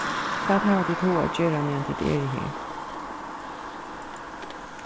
hvat hava tit hug at gera meðan tit eru her